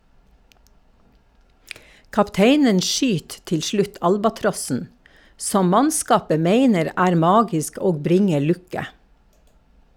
Kapteinen skyt til slutt albatrossen, som mannskapet meiner er magisk og bringer lukke.